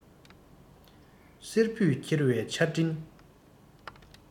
བསེར བུས འཁྱེར བའི ཆར སྤྲིན